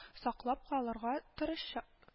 Саклап калырга тырышчак